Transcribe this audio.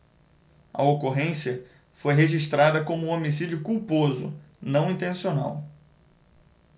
a ocorrência foi registrada como homicídio culposo não intencional